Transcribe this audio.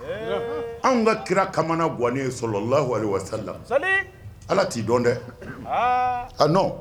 An ka kira kamana gannen sɔrɔ lawale wasa la ala t'i dɔn dɛ a